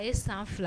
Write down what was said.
A ye san fila